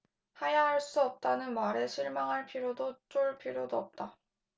하야할 수 없다는 말에 실망할 필요도 쫄 필요도 없다